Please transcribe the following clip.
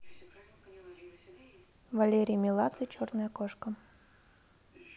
валерий меладзе черная кошка